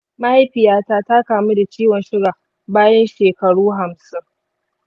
mahaifiyata ta kamu da ciwon suga bayan shekaru hamsin.